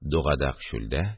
Дугадак – чүлдә